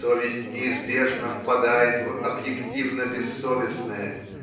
совесть неизбежно впадает в объективно-бессовестное